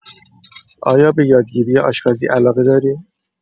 آیا به یادگیری آشپزی علاقه داری؟